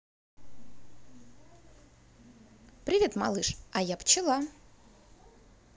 привет малыш а я пчела